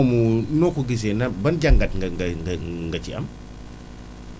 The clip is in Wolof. mu noo ko gisee na ban jàngat nga ngay nga nga ci am